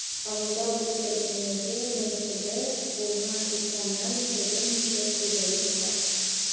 Авылда бу төркемнәргә мөнәсәбәте булган крестьяннар яшәгән ничә хуҗалык бар?